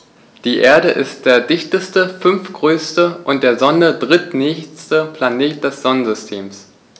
Die Erde ist der dichteste, fünftgrößte und der Sonne drittnächste Planet des Sonnensystems.